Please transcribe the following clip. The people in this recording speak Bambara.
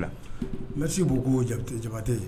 la lasi b'o k'ote jabate ye